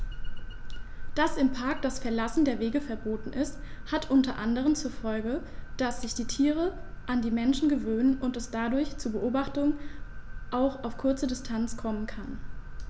Dass im Park das Verlassen der Wege verboten ist, hat unter anderem zur Folge, dass sich die Tiere an die Menschen gewöhnen und es dadurch zu Beobachtungen auch auf kurze Distanz kommen kann.